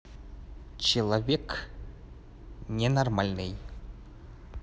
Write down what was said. человек ненормальный